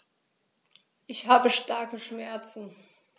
Ich habe starke Schmerzen.